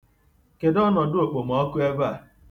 Kedụ ọnọ̀dụòkpòmọkụ ebe a?